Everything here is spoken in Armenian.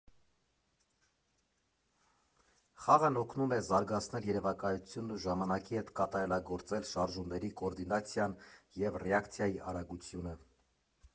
Խաղն օգնում է զարգացնել երևակայությունն ու ժամանակի հետ կատարելագործել շարժումների կոորդինացիան և ռեակցիայի արագությունը։